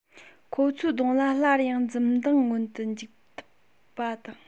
ཁོ ཚོའི གདོང ལ སླར ཡང འཛུམ མདངས མངོན དུ འཇུག པ དང